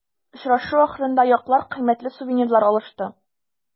Очрашу ахырында яклар кыйммәтле сувенирлар алышты.